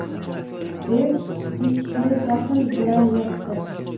deb eshikni jahl bilan yopdi